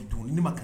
Don ni ma kan